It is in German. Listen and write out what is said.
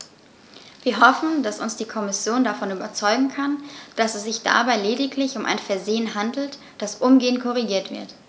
Wir hoffen, dass uns die Kommission davon überzeugen kann, dass es sich dabei lediglich um ein Versehen handelt, das umgehend korrigiert wird.